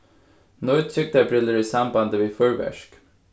nýt trygdarbrillur í sambandi við fýrverk